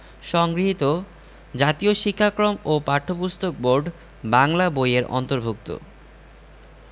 সংগৃহীত জাতীয় শিক্ষাক্রম ও পাঠ্যপুস্তক বোর্ড বাংলা বই এর অন্তর্ভুক্ত